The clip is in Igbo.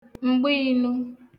m̀gbiinu